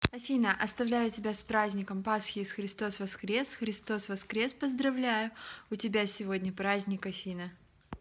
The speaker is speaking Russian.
афина оставляю тебя с праздником пасхи и христос воскрес христос воскрес поздравляю у тебя сегодня праздник афина